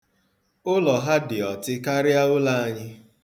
Ụlọ ha dị ọtị karịa ụlọ anyị.